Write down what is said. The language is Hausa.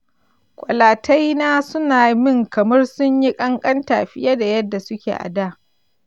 ƙwalatai na suna min kamar sun yi ƙanƙanta fiye da yadda suke a da.